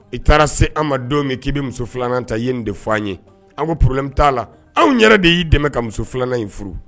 I taara se an ma don min k'i bɛ muso filanan ta ye nin de fɔ an ye an ko probème t'a la anw yɛrɛ de y'i dɛmɛ ka muso filanan in furu